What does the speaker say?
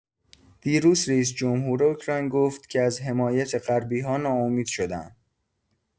دیروز رئیس‌جمهور اوکراین گفت که از حمایت غربی‌ها ناامید شده‌ام!